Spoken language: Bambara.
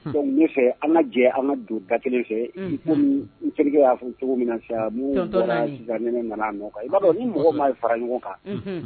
Donc n bɛ fɛ an ka jɛ an ka don da kelen fɛ. Unhun. I komi n terikɛ y'a fɔ cogo min na sisan. Tonton Naali. N'o bɔra sisan ni ne nan'a nɔkan. Unhun. I b'a dɔn ni mɔgɔw ma fara ɲɔgɔn kan Unhun.